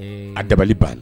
A dabali banna